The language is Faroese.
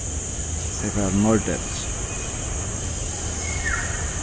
tey fara til norðdepils